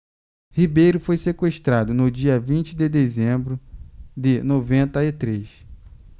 ribeiro foi sequestrado no dia vinte de dezembro de noventa e três